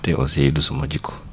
te aussi du sama jikko